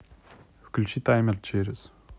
включи таймер через